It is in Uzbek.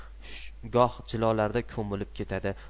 goh jilolarda ko'milib ketadi